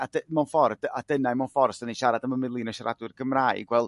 a dy- mewn ffor' a dyna mewn ffor' os 'da ni'n siarad am y miliwn y siaradwyr Gymraeg wel